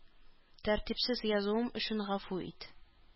Тәртипсез язуым өчен гафу ит.